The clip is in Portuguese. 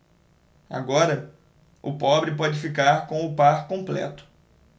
agora o pobre pode ficar com o par completo